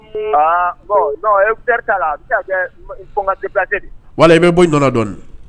Bɔn i bɛ bɔ dɔn dɔn